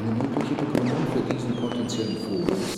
mögliche Begründung für diesen potentiellen Vorwurf